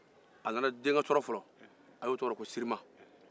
a nana denkɛ fɔlɔ sɔrɔ a y'o tɔgɔ da ko sirima